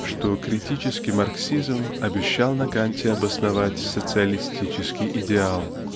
что критический марксизм обещал на Канте обосновать социалистический идеал.